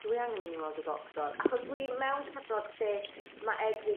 dwi angen myn' i weld y doctor achos dwi mewn cyfnod lle ma' egni